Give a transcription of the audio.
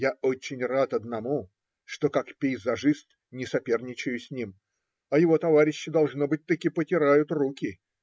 Я очень рад одному, что, как пейзажист, не соперничаю с ним, а его товарищи, должно быть, таки потирают руки.